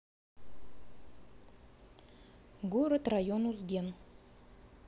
город район узген